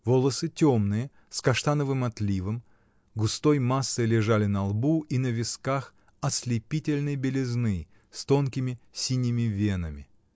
Волосы темные, с каштановым отливом, густой массой лежали на лбу и на висках ослепительной белизны, с тонкими синими венами.